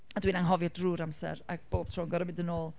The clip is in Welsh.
A dwi’n anghofio drwy'r amser, ac bob tro'n gorfod mynd yn ôl...